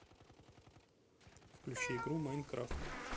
включи игру майнкрафт